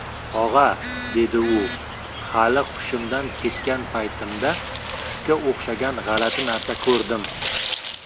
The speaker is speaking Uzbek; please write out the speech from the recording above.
og'a dedi u hali hushimdan ketgan paytimda tushga o'xshagan g'alati narsa ko'rdim